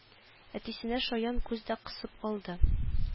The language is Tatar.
Әтисенә шаян күз дә кысып алды